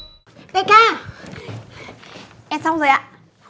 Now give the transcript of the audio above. đại ca em xong rồi ạ